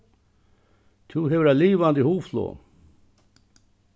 tú hevur eitt livandi hugflog